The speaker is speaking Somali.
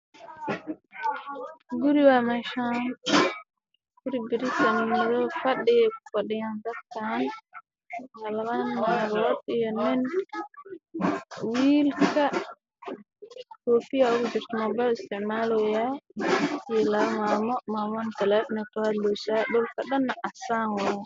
Meeshaan waa guri waxa dhaxdiisa fadhiyo dad